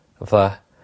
Fatha.